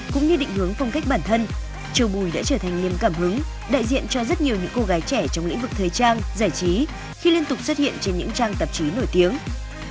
cũng như định hướng phong cách bản thân châu bùi đã trở thành niềm cảm hứng đại diện cho rất nhiều những cô gái trẻ trong lĩnh vực thời trang giải trí khi liên tục xuất hiện trên những trang tạp chí nổi tiếng